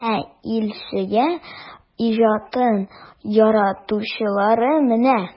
Ә Илсөя иҗатын яратучылар менә!